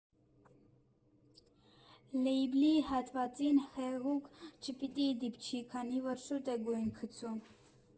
Լեյբլի հատվածին հեղուկ չպիտի դիպչի, քանի որ շուտ է գույնը գցում։